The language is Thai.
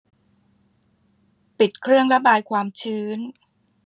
ปิดเครื่องระบายความชื้น